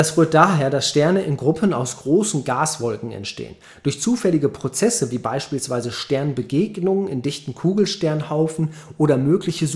rührt daher, dass Sterne in Gruppen aus großen Gaswolken entstehen. Durch zufällige Prozesse wie beispielsweise Sternbegegnungen in dichten Kugelsternhaufen oder mögliche